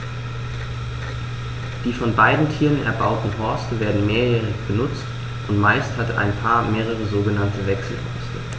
Die von beiden Tieren erbauten Horste werden mehrjährig benutzt, und meist hat ein Paar mehrere sogenannte Wechselhorste.